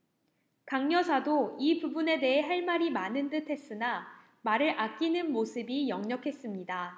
강여사도 이 부분에 대해 할 말이 많은듯 했으나 말을 아끼는 모습이 역력했습니다